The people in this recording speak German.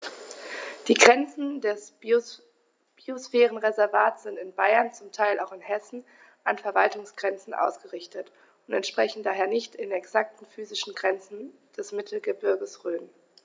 Die Grenzen des Biosphärenreservates sind in Bayern, zum Teil auch in Hessen, an Verwaltungsgrenzen ausgerichtet und entsprechen daher nicht exakten physischen Grenzen des Mittelgebirges Rhön.